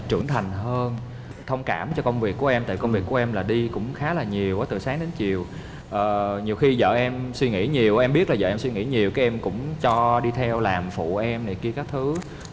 trưởng thành hơn thông cảm cho công việc của em tại công việc của em là đi cũng khá là nhiều từ sáng đến chiều ờ nhiều khi vợ em suy nghĩ nhiều em biết vợ em suy nghĩ nhiều cái em cũng cho đi theo làm phụ em này kia các thứ